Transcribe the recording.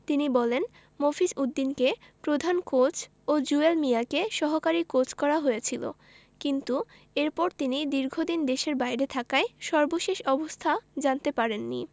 তিনি বলেন মফিজ উদ্দিনকে প্রধান কোচ ও জুয়েল মিয়াকে সহকারী কোচ করা হয়েছিল কিন্তু এরপর তিনি দীর্ঘদিন দেশের বাইরে থাকায় সর্বশেষ অবস্থা জানতে পারেননি